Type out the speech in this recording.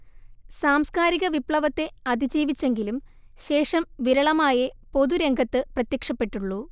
സാംസ്കാരിക വിപ്ലവത്തെ അതിജീവിച്ചെങ്കിലും ശേഷം വിരളമായെ പൊതുരംഗത്ത് പ്രത്യ്ക്ഷപ്പെട്ടുള്ളൂ